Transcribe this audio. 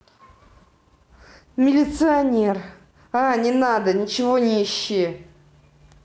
милиционер а не надо ничего не ищи